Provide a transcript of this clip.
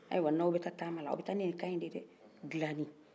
ayi wa n'aw bɛ ta taama na aw bɛ ta ni nin kan de ye dɛ dilanin